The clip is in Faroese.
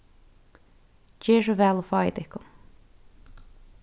gerið so væl og fáið tykkum